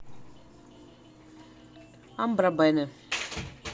амбробене